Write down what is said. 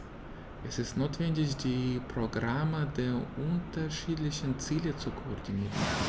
Es ist notwendig, die Programme der unterschiedlichen Ziele zu koordinieren.